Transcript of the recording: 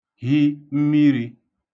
hi mmirī